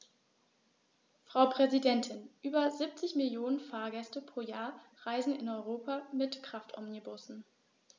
Frau Präsidentin, über 70 Millionen Fahrgäste pro Jahr reisen in Europa mit Kraftomnibussen.